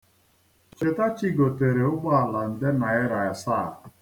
Chetachi gotere ụgbọala nde naịra asaa.